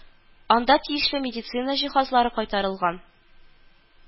Анда тиешле медицина җиһазлары кайтарылган